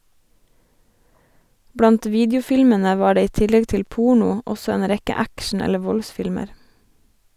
Blant videofilmene var det i tillegg til porno, også en rekke action- eller voldsfilmer.